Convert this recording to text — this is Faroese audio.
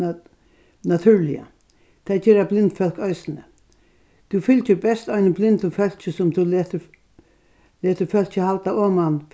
natúrliga tað gera blind fólk eisini tú fylgir best einum blindum fólki sum tú letur letur fólki halda oman